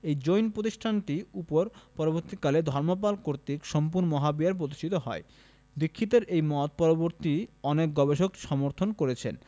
এই জৈন প্রতিষ্ঠানটির উপর পরবর্তীকালে ধর্মপাল কর্তৃক সোমপুর মহাবিহার প্রতিষ্ঠিত হয় দীক্ষিতের এই মত পরবর্তী অনেক গবেষক সমর্থন করেছেন